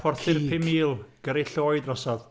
Porthu'r pum mil, gyrru lloi drosodd.